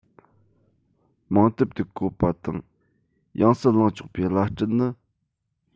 མིང དེབ དུ བཀོད པ དང ཡང སྲིད བླང ཆོག པའི བླ སྤྲུལ ནི